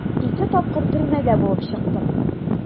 Ике тапкыр төрмәдә булып чыктым.